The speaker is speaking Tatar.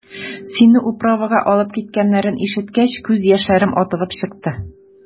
Сине «управа»га алып киткәннәрен ишеткәч, күз яшьләрем атылып чыкты.